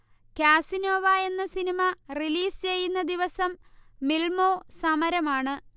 Casanova എന്ന cinema release ചെയ്യുന്ന ദിവസം മിൽമോ സമരമാണ്